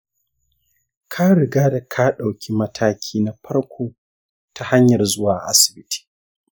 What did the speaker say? ka riga da ka ɗauki mataki na farko ta hanyar zuwa asibiti.